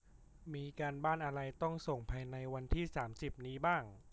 มีการบ้านอะไรต้องส่งภายในวันที่สามสิบนี้บ้าง